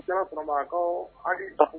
Samakaw